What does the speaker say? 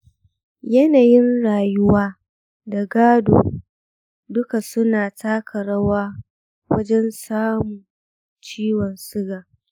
yanayin rayuwa da gado duka suna taka rawa wajen samun ciwon suga.